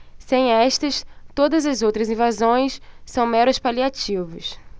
sem estas todas as outras invasões são meros paliativos